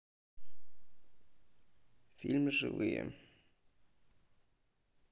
фильм живые